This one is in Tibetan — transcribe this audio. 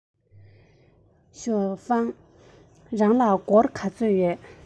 ཞའོ ཧྥང རང ལ སྒོར ག ཚོད ཡོད པས